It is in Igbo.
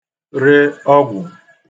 re ọgwụ̀